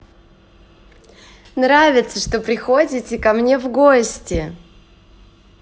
нравится что приходите ко мне в гости